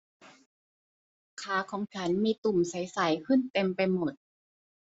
ขาของฉันมีตุ่มใสใสขึ้นเต็มไปหมด